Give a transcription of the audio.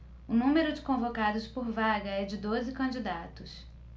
o número de convocados por vaga é de doze candidatos